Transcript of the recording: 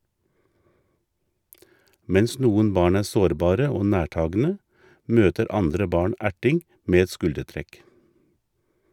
Mens noen barn er sårbare og nærtagende, møter andre barn erting med et skuldertrekk.